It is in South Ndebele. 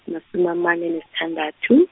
masumi amane nesithandathu.